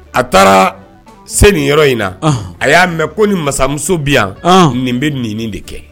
A taara se nin yɔrɔ in na a y'a mɛn ko ni masamuso bɛ yan nin bɛ nin de kɛ